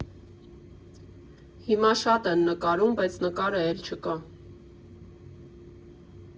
«Հիմա շատ են նկարում, բայց նկարը էլ չկա։